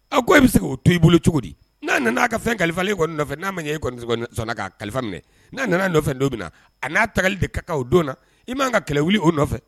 A ko e bɛ se k'o to i bolo cogo di n'a nana'a ka fɛn kalifalen nɔfɛ n'a ma ɲɛ e sɔnna ka kalifa minɛ n'a nana nɔfɛ don min na a n'a tali de ka ka don na i m'an ka kɛlɛli o nɔfɛ